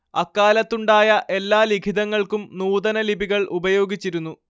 അക്കാലത്തുണ്ടായ എല്ലാ ലിഖിതങ്ങൾക്കും നൂതന ലിപികൾ ഉപയോഗിച്ചിരുന്നു